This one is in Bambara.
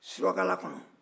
surakala kɔnɔ